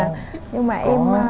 nhưng mà em